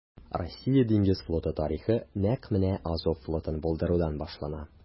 Россия диңгез флоты тарихы нәкъ менә Азов флотын булдырудан башлана.